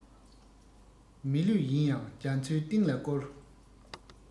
མི ལུས ཡིན ཡང རྒྱ མཚོའི གཏིང ལ བསྐྱུར